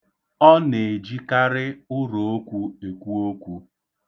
Ọ na-ejikarị ụrookwu ekwu okwu.